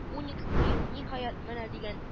“уникс” быел, ниһаять, менә дигән